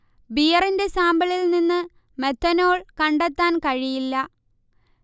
ബിയറിന്റെ സാമ്പിളിൽ നിന്ന് മെഥനൊൾ കണ്ടെത്താൻ കഴിയില്ല